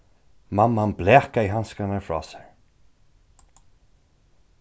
mamman blakaði handskarnar frá sær